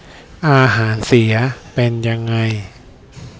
อาหารเสียเป็นยังไง